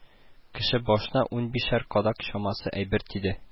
Кеше башына унбишәр кадак чамасы әйбер тиде